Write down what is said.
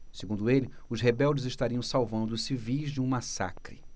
segundo ele os rebeldes estariam salvando os civis de um massacre